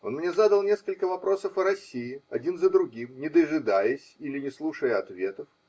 Он мне задал несколько вопросов о России, один за другим, не дожидаясь или не слушая ответов